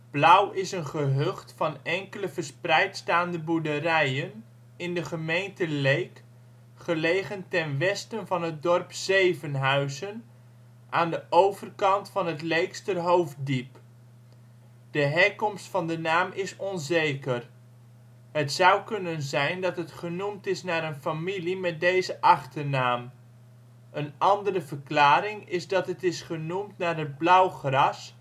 Blauw is een gehucht van enkele verspreid staande boerderijen in de gemeente Leek, gelegen ten westen van het dorp Zevenhuizen, aan de overkant van het Leekster Hoofddiep. De herkomst van de naam is onzeker. Het zou kunnen zijn dat het genoemd is naar een familie met deze (achter) naam. Een andere verklaring is dat het is genoemd naar het blauwgras